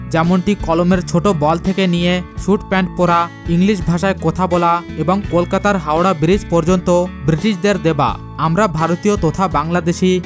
যেমন ঠিক কলমের ছোট বল থেকে নিয়ে স্যুট প্যান্ট পরা ইংলিশ ভাষায় কথা বলা এবং কলকাতার হাওড়া ব্রিজ পর্যন্ত ব্রিটিশদের দেয়া আমরা ভারতীয় তথা বাংলাদেশী